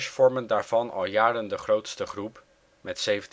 vormen daarvan al jaren de grootste groep (1.719